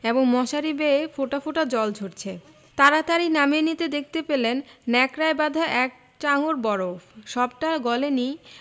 এবং মশারি বেয়ে ফোঁটা ফোঁটা জল ঝরছে তাড়াতাড়ি নামিয়ে নিয়ে দেখতে পেলেন ন্যাকড়ায় বাঁধা এক চাঙড় বরফ সবটা গলেনি